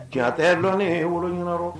Tiɲɛtɛ dɔn woro ɲɔgɔn rɔ